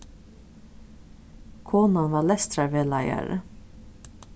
konan var lestrarvegleiðari